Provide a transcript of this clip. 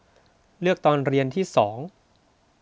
เลือกตอนเรียนที่สอง